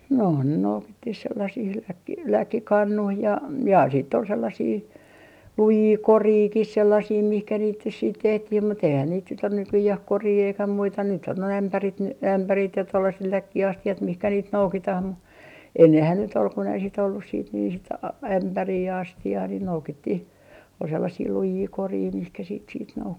no ne noukittiin sellaisiin - läkkikannuihin ja ja sitten oli sellaisia lujia korejakin sellaisia mihin niitä nyt sitten tehtiin mutta eihän niitä nyt ole nykyään koria eikä muita nyt on nuo ämpärit - ämpärit ja tuollaiset läkkiastiat mihin niitä noukitaan mutta ennenhän nyt oli kun ei sitten ollut sitten niin sitten - ämpäriä ja astiaa niin noukittiin oli sellaisia lujia koreja mihin sitten sitten noukki